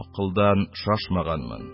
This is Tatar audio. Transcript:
Акылдан шашмаганмын,